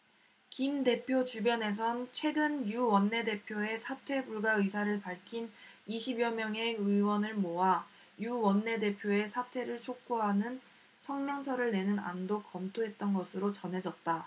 김 대표 주변에선 최근 유 원내대표의 사퇴 불가 의사를 밝힌 이십 여 명의 의원을 모아 유 원내대표의 사퇴를 촉구하는 성명서를 내는 안도 검토했던 것으로 전해졌다